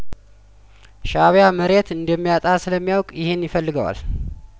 ሻእብያ መሬት እንደሚያጣ ስለሚያውቅ ይህን ይፈልገዋል